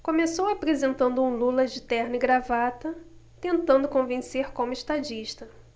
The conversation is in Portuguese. começou apresentando um lula de terno e gravata tentando convencer como estadista